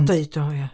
deud o ia